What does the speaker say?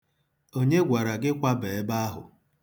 Onye gwara gị kwaba ebe ahụ?